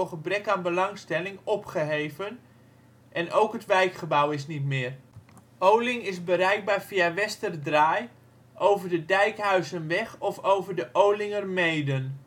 gebrek aan belangstelling opgeheven en ook het wijkgebouw is niet meer. Oling is bereikbaar via Westerdraai, over de Dijkhuizenweg of over de Olingermeeden